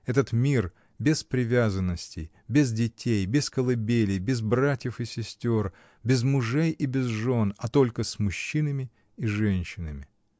Этот мир — без привязанностей, без детей, без колыбелей, без братьев и сестер, без мужей и без жен, а только с мужчинами и женщинами.